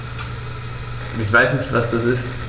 Ich weiß nicht, was das ist.